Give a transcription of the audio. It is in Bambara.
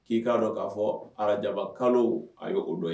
K'i'a dɔn k'a fɔ arajaba kalo a y ye' o dɔn ye